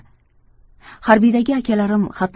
harbiydagi akalarim xatni